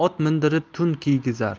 mindirib to'n kiygizar